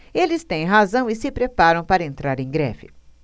eles têm razão e se preparam para entrar em greve